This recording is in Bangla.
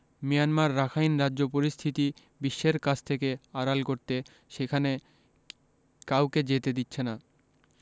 মিয়ানমার রাখাইন রাজ্য পরিস্থিতি বিশ্বের কাছ থেকে আড়াল করতে সেখানে কাউকে যেতে দিচ্ছে না